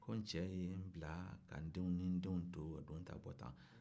ko n cɛ ye n bila k'a denw ni n denw to a donna ta a bɔra ta